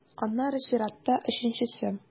Аннары чиратта - өченчесе.